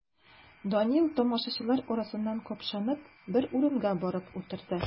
Данил, тамашачылар арасыннан капшанып, бер урынга барып утырды.